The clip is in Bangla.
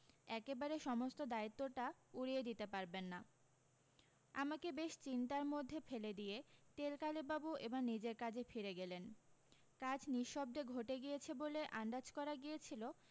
একেবারে সমস্ত দ্বায়িত্বটা উড়িয়ে দিতে পারবেন না আমাকে বেশ চিন্তার মধ্যে ফেলে দিয়ে তেলকালিবাবু এবার নিজের কাজে ফিরে গেলেন কাজ নিশব্দে ঘটে গিয়েছে বলে আন্দাজ করা গিয়েছিল